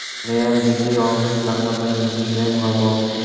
qarg'ayin desam yolg'iz qarg'amayin desam yalmog'iz